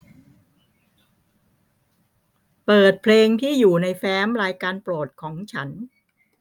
เปิดเพลงที่อยู่ในแฟ้มรายการโปรดของฉัน